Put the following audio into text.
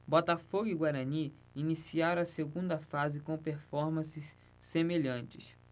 botafogo e guarani iniciaram a segunda fase com performances semelhantes